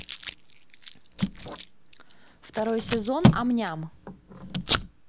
второй сезон ам ням